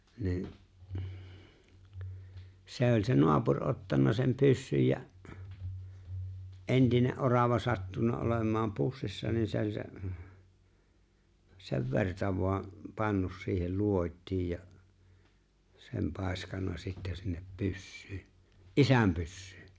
niin se oli se naapuri ottanut sen pyssyn ja entinen orava sattunut olemaan pussissa niin se oli se sen verta vain pannut siihen luodin ja sen paiskannut sitten sinne pyssyyn isän pyssyyn